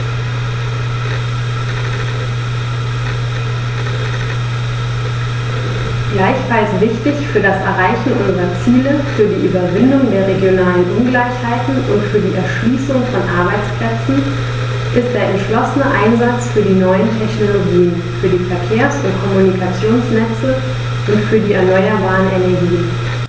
Gleichfalls wichtig für das Erreichen unserer Ziele, für die Überwindung der regionalen Ungleichheiten und für die Erschließung von Arbeitsplätzen ist der entschlossene Einsatz für die neuen Technologien, für die Verkehrs- und Kommunikationsnetze und für die erneuerbaren Energien.